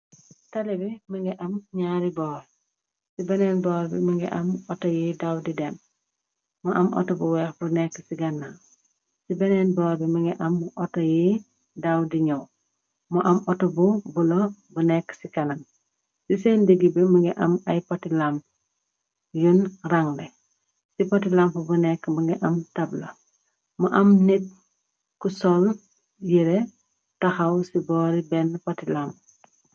Tali bi më ngi am ñaari boor ci beneen boor bi mëngi am outo yiy daw di dem moo am auto bu weex bu nekk ci ganna ci beneen boor bi ma ngi am auto yiy daw di ñëw moo am auto bu bu la bu nekk ci kanan ci seen digg bi më ngi am ay potilamp yun ranle ci potilamp bu nekk mu nga am tabla mu am nit ku sol yire taxaw ci boori benn potilam